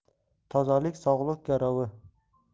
tozalik sog'lik garovi